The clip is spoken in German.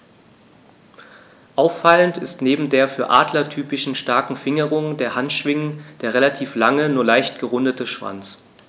Auffallend ist neben der für Adler typischen starken Fingerung der Handschwingen der relativ lange, nur leicht gerundete Schwanz.